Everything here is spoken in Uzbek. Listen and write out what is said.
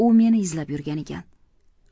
u meni izlab yurgan ekan